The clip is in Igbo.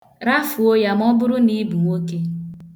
Rafuo ya maọbụrụ na ị bụ nwoke.